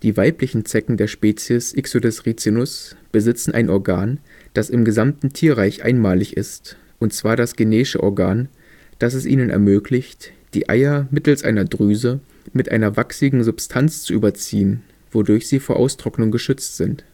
weiblichen Zecken der Spezies Ixodes ricinus besitzen ein Organ, das im gesamten Tierreich einmalig ist, und zwar das Genésche Organ, das es ihnen ermöglicht, die Eier mittels einer Drüse mit einer wachsigen Substanz zu überziehen, wodurch sie vor Austrocknung geschützt sind